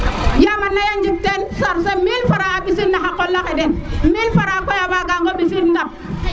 yaam a naya jig teen sarse 1000fr a mbisin naxa qola xaden 1000fr koy a waga ngo mbisid nap